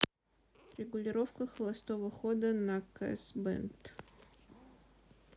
регулировка холостого хода на кассе benz